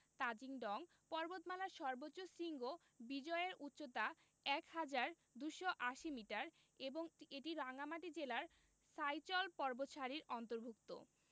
তাজিং ডং পর্বতমালার সর্বোচ্চ শৃঙ্গ বিজয় এর উচ্চতা ১হাজার ২৮০ মিটার এবং এটি রাঙ্গামাটি জেলার সাইচল পর্বতসারির অন্তর্ভূক্ত